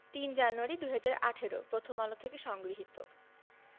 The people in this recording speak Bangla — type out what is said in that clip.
৩ জানুয়ারি ২০১৮ প্রথম আলো থেকে সংগৃহীত